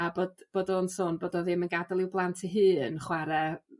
a bod bod o'n sôn bod o ddim yn gadel i'w blant 'i hun chware